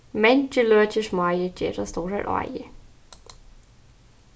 mangir løkir smáir gera stórar áir